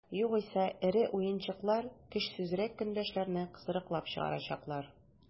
Югыйсә эре уенчылар көчсезрәк көндәшләрне кысрыклап чыгарачаклар.